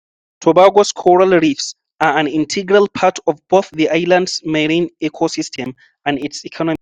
Tobago's coral reefs are an integral part of both the island's marine ecosystem and its economy.